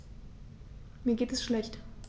Mir geht es schlecht.